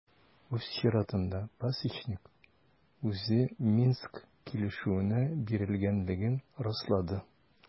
Үз чиратында Пасечник үзе Минск килешүенә бирелгәнлеген раслады.